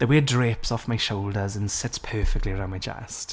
The way it drapes off my shoulders and sits perfectly around my chest.